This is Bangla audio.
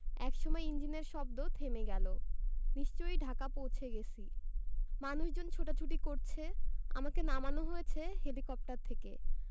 একসময় ইঞ্জিনের শব্দ থেমে গেলো নিশ্চয়ই ঢাকা পৌঁছে গেছি মানুষজন ছোটাছুটি করছে আমাকে নামানো হয়েছে হেলিকপ্টার থেকে